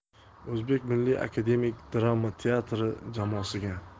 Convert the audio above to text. o'zbek milliy akademik drama teatri jamoasiga